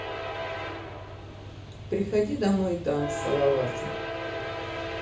приходи домой dan салавата